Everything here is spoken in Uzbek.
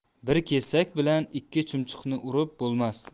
bir kesak bilan ikki chumchuqni urib bo'lmas